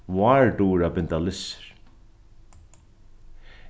vár dugir at binda lissur